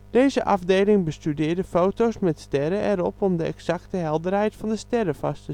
Deze afdeling bestudeerde foto 's met sterren erop om de exacte helderheid van de sterren vast